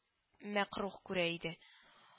Мәкруһ күрә иде